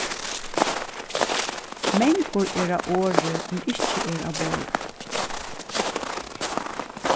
mangur er á orði ið ikki er á borði